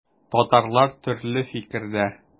Татарлар төрле фикердә.